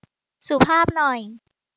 สุภาพหน่อย